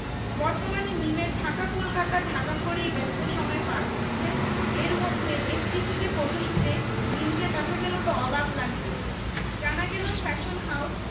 বর্তমানে মিমের ঢাকা কলকাতা ঢাকা করেই ব্যস্ত সময় পার হচ্ছে এরমধ্যে এফডিসিতে ফটোশুটে মিমকে দেখা গেল তো অবাক লাগবেই জানা গেল ফ্যাশন হাউজ